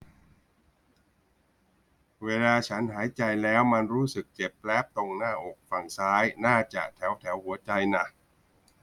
เวลาฉันหายใจแล้วมันรู้สึกเจ็บแปล๊บตรงหน้าอกฝั่งซ้ายน่าจะแถวแถวหัวใจน่ะ